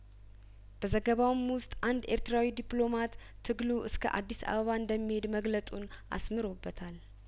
በዘገባውም ውስጥ አንድ ኤርትራዊ ዲፕሎማት ትግሉ እስከአዲስ አበባ እንደሚሄድ መግለጡን አስምሮበታል